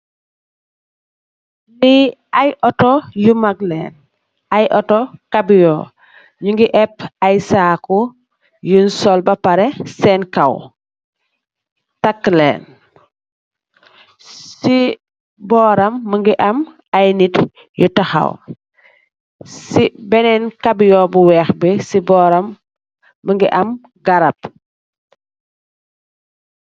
Lii ay ooto yu mag len, ay ooto kabiyo, nyingi ep ay saku yunj sol ba pare sen kaw, takk len, si boram mingi am ay nitt yu taxaw, si benen kabiyo bu weex bi, si boram mingi am garab,